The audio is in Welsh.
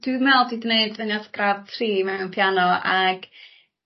dwi me'wl dwi 'di neud fy naf- gradd tri mewn piano ag